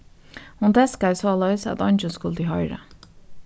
hon teskaði soleiðis at eingin skuldi hoyra